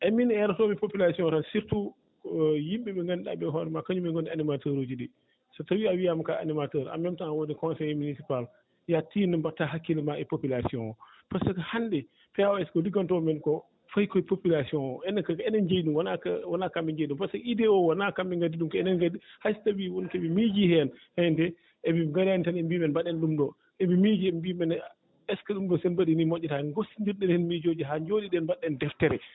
eeyi miin ne eerotoomi population tan ko surtout yimɓe ɓe ngannduɗaa ɓe hoore maa kañumen ngoni animateur uuji ɗii so tawii a wiyaama ko a animateur en même tant aan woni conseillé municipal ko yo a tiinno mbattaa hakkille maa e population o par ce que hannde PAOS ko liggantoo men koo fayi koye poupulation o enen kadi enen kadi jeyi ɗum wona kamɓe jeyi ɗum par ce que idée o wonaa kamɓe ngaddi ɗum ko enen ngaddi ɗum hay so tawii won ko ɓe miijii heen heen de eɓe ngaraani tan ɓe mbimen mbaɗen ɗum ɗoo eɓe miijii ɓe mbimen est ce que ɗum ɗo so en mbaɗii nii moƴƴataa gostonndirɗen heen miijooji haa njooɗiɗen mbaɗɗen deftere